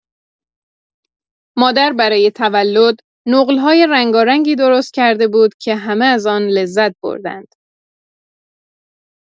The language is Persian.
مادر برای تولد، نقل‌های رنگارنگی درست کرده بود که همه از آن لذت بردند.